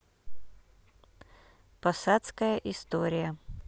посадская история